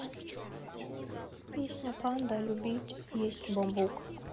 песня панда любит есть бамбук